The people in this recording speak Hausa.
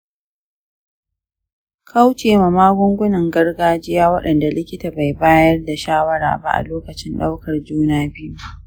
kaucema magungunan gargajiya waɗanda likita bai bayar da shawara ba a lokacin ɗaukar juna-biyu